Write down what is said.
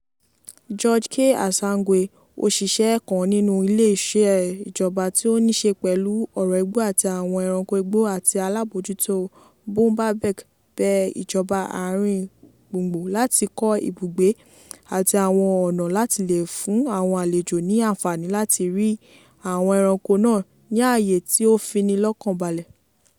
George K. Azangue, òṣìṣẹ́ kan nínú ilé iṣẹ́ ìjọba tí ó ní ṣe pẹ̀lú ọ̀rọ̀ igbó àti àwọn ẹranko igbó àti alábòójútó Boumba Bek bẹ ìjọba àárín gbùngbùn láti 'kọ́ ibùgbé àti àwọn ọ̀nà láti lè fún àwọn àlejò ní àǹfààní láti rí àwọn ẹranko náà ní ààyè tí ó fini lọ́kàn balẹ̀. "